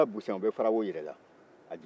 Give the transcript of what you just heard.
n'i taara busin u bɛ farawo jira i la